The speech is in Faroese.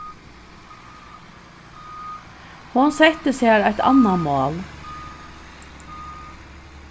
hon setti sær eitt annað mál